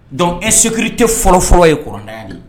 Dɔnku e s tɛ fɔlɔf ye kda ye